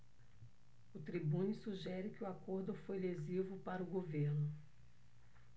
o tribune sugere que o acordo foi lesivo para o governo